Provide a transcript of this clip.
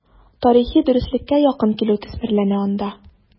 Тарихи дөреслеккә якын килү төсмерләнә анда.